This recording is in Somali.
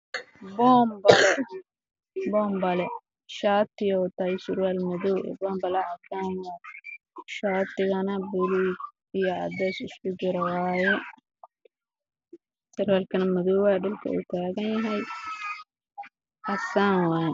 Boombalo shaati iyo surwal buu wataa